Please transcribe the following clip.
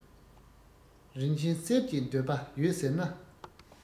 རིན ཆེན གསེར གྱི འདོད པ ཡོད ཟེར ན